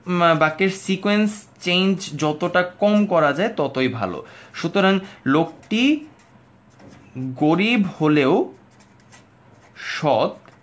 বাক্যের sequence change যতটা কম করা যায় ততই ভালো সুতরাং লোকটি গরীব হলেও সৎ